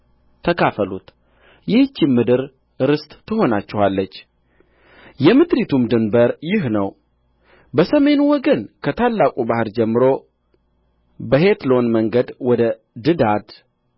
ይህችም ምድር ርስት ትሆናችኋለች የምድሪቱም ድንበር ይህ ነው በሰሜኑ ወገን ከታላቁ ባሕር ጀምሮ በሔትሎን መንገድ ወደ ጽዳድ